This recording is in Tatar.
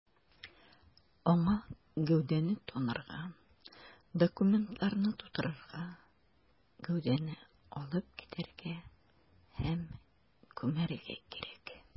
Аңа гәүдәне танырга, документларны турырга, гәүдәне алып китәргә һәм күмәргә кирәк.